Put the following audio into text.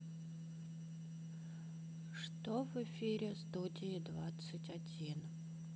что в эфире студии двадцать один